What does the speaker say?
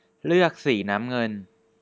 เลือกสีน้ำเงิน